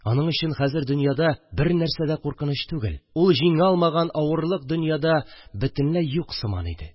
Аның өчен хәзер дөньяда бернәрсә дә куркыныч түгел, ул җиңә алмаган авырлык дөньяда бөтенләй юк сыман иде